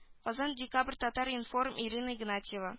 -- казан декабрь татар-информ ирина игнатьева